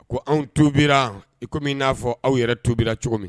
Ko anw tubi i kɔmi min n'a fɔ aw yɛrɛ tobira cogo min